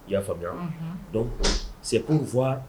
I y'a faamuya dɔn segu fa